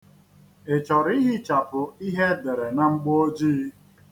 Ị chọrọ ihichapụ ihe e dere na mgboojii?